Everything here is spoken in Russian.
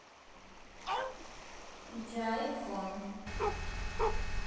jai фон